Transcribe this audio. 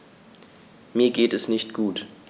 Mir geht es nicht gut.